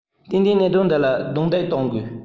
ཏན ཏན གནད དོན འདི ལ རྡུང རྡེག གཏོང དགོས